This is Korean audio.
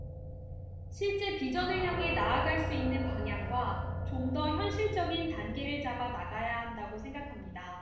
실제 비전을 향해 나아갈 수 있는 방향과 좀 더 현실적인 단계를 잡아 나가야 한다고 생각합니다